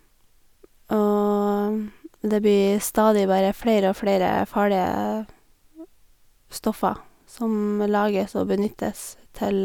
Og det blir stadig bare flere og flere farlige stoffer som lages og benyttes til...